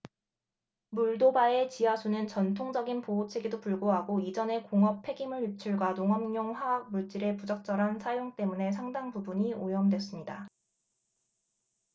몰도바의 지하수는 전통적인 보호책에도 불구하고 이전의 공업 폐기물 유출과 농업용 화학 물질의 부적절한 사용 때문에 상당 부분이 오염되었습니다